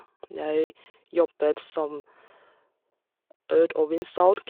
Jeg jobber som øl- og vinsalg.